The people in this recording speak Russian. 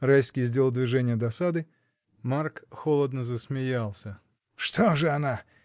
Райский сделал движение досады, Марк холодно засмеялся. — Что же она?